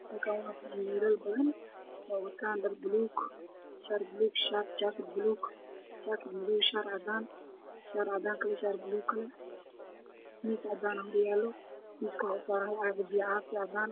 Halkaan waxaa fadhiyo wiilal badan oo wato dhar buluug ah, shaar buluug, jaakad buluug, jaakad madow iyo shaar cadaan, waxaa horyaalo miis cadaan ah waxaa saaran caagado biyo caafi ah oo cadaan ah.